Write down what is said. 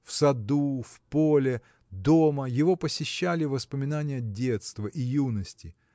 В саду, в поле, дома его посещали воспоминания детства и юности.